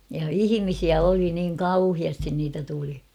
ja ihmisiä oli niin kauheasti niitä tuli